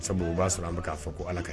Sabu u b'a sɔrɔ an bɛ k'a fɔ ko Ala ka